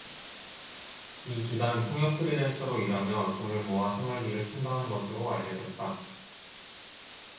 이 기간 통역 프리랜서로 일하며 돈을 모아 생활비를 충당한 것으로 알려졌다